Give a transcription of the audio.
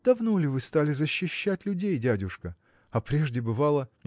– Давно ли вы стали защищать людей, дядюшка? а прежде, бывало.